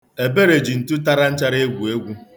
Ebere ji ntu tara nchara egwu egwu.